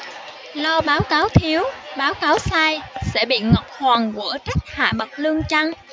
lo báo cáo thiếu báo cáo sai sẽ bị ngọc hoàng quở trách hạ bậc lương chăng